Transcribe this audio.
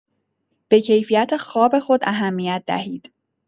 به کیفیت خواب خود اهمیت دهید.